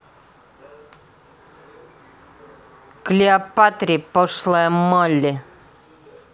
клеопатри пошлая молли